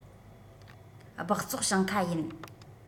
སྦགས བཙོག ཞིང ཁ ཡིན